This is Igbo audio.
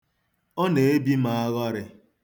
Ọ na-ebi m aghọrị.